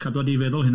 Cadwa di feddwl hynna.